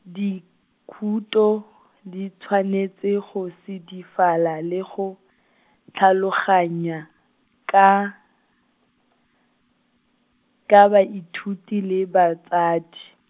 dikhoutu, di tshwanetse go sedifala le go, tlhaloganya, ka, ka baithuti le batsadi.